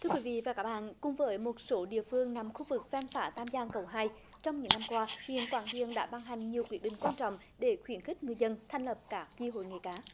thưa quý vị và các bạn cùng với một số địa phương nằm khu vực ven phá tam giang cầu hai trong những năm qua huyện quảng điền đã ban hành nhiều quyết định quan trọng để khuyến khích người dân thành lập các chi hội nghề cá